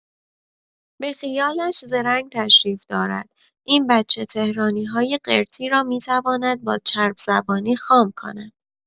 به خیالش زرنگ تشریف دارد، این بچه تهرانی‌های قرطی را می‌تواند با چرب‌زبانی خام کند.